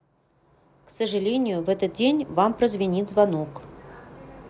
сожалению в этот день вам прозвенит звонок